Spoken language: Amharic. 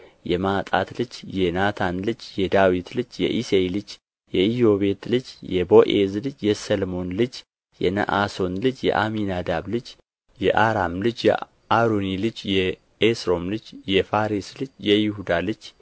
የማጣት ልጅ የናታን ልጅ የዳዊት ልጅ የእሴይ ልጅ የኢዮቤድ ልጅ የቦዔዝ ልጅ የሰልሞን ልጅ የነአሶን ልጅ የአሚናዳብ ልጅ የአራም ልጅ የአሮኒ ልጅ የኤስሮም ልጅ የፋሬስ ልጅ የይሁዳ ልጅ